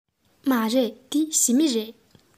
མ རེད འདི ཞི མི རེད